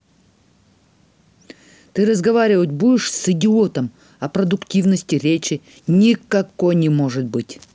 ты разговаривать будешь с идиотом о продуктивности речи никакой не может быть